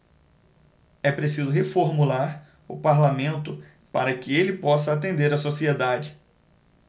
é preciso reformular o parlamento para que ele possa atender a sociedade